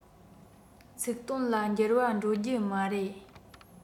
ཚིག དོན ལ འགྱུར བ འགྲོ རྒྱུ མ རེད